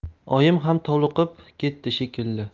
oyim ham toliqib ketdi shekilli